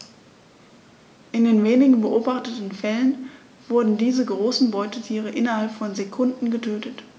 In den wenigen beobachteten Fällen wurden diese großen Beutetiere innerhalb von Sekunden getötet.